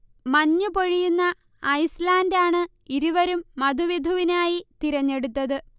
മഞ്ഞ് പൊഴിയുന്ന ഐസ്ലാന്റാണ് ഇരുവരും മധുവിധുവിനായി തിരഞ്ഞൈടുത്തത്